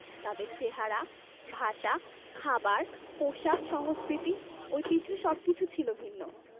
তাদের চেহারা ভাষা খাবার পোশাক সংস্কৃতি ঐতিহ্য সবকিছু ছিল ভিন্ন